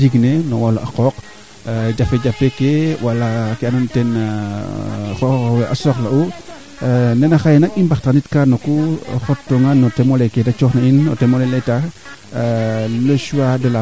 ndaa kee ndeetlu wuuma na qooqa le mene ko ga'oogu oxa and naye ko xoox ka o ndiq sax to jeg mayu parce que no qol le choisir oona yo mais na anam numa choisir te koy kaaga andaame aprés xan i moƴo yaaja ndino yo